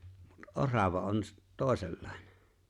mutta orava on - toisenlainen